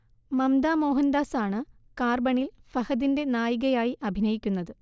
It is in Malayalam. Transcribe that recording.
മംമ്ത മോഹൻദാസാണ് കാർബണിൽ ഫഹദിന്റെ നായികയായി അഭിനയിക്കുന്നത്